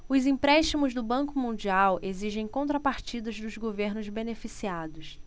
os empréstimos do banco mundial exigem contrapartidas dos governos beneficiados